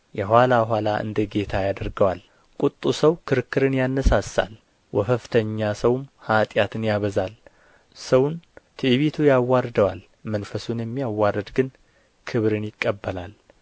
የኋላ ኋላ እንደ ጌታ ያደርገዋል ቍጡ ሰው ክርክርን ያነሣሣል ወፈፍተኛ ሰውም ኃጢአትን ያበዛል ሰውን ትዕቢቱ ያዋርደዋል መንፈሱን የሚያዋርድ ግን ክብርን ይቀበላል